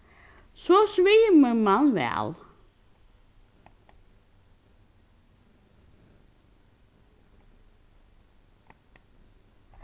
so svimur mann væl